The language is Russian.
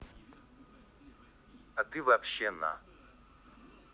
а ты вообще на